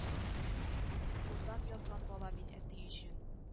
Юлдан язган бала мин әти өчен